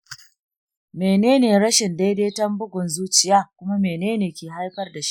menene rashin daidaiton bugun zuciya kuma menene ke haifar da shi?